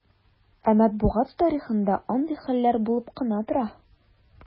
Ә матбугат тарихында андый хәлләр булып кына тора.